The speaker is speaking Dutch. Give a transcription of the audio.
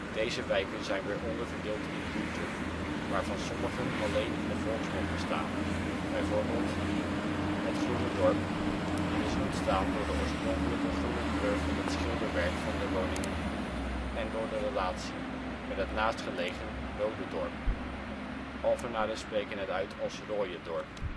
Deze wijken zijn weer onderverdeeld in buurten, waarvan sommigen alleen in de volksmond bestaan, bijvoorbeeld: Het Groene dorp is ontstaan door de oorspronkelijke groene kleur van het schilderwerk van de woningen en door de relatie met het naastgelegen " Rode dorp " (Alphenaren spreken het uit als Rooie dorp). Op de